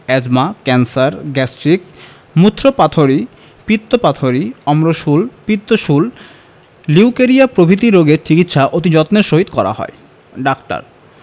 asthma cancer gastric মুত্রপাথড়ী পিত্তপাথড়ী অম্লশূল পিত্তশূল লিউকেরিয়া প্রভৃতি রোগের চিকিৎসা অতি যত্নের সহিত করা হয় ডা